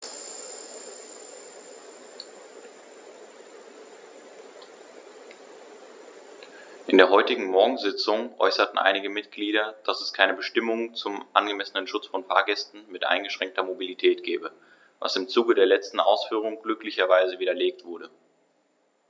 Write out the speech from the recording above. In der heutigen Morgensitzung äußerten einige Mitglieder, dass es keine Bestimmung zum angemessenen Schutz von Fahrgästen mit eingeschränkter Mobilität gebe, was im Zuge der letzten Ausführungen glücklicherweise widerlegt wurde.